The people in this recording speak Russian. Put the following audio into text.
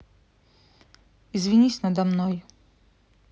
извинись надо мной